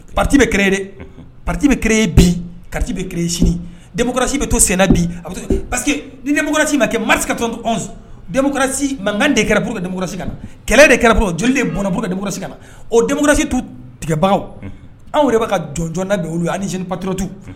Pati bɛ ke dɛ pati bɛ ke biti bɛ ke sinikɔrɔsi bɛ to senna bi pa dɛkɔrɔsi ma kɛ marika tɔnsi mankan de kɛra bolomsi ka na kɛlɛ de kɛra bolo joli de bɔnɛbolokɔrɔsi kan na o dɛkɔrɔsi tu tigɛbagaw anw de b bɛ ka jɔj bɛ olu ani sini patotu